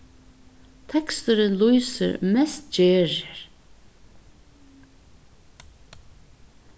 teksturin lýsir mest gerðir